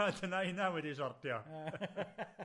A dyna hynna wedi sortio.